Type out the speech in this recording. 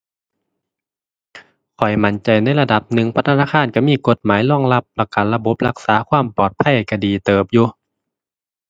ข้อยมั่นใจในระดับหนึ่ง เพราะธนาคารก็มีกฎหมายรองรับ แล้วก็ระบบรักษาความปลอดภัยก็ดีเติบอยู่